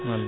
wallay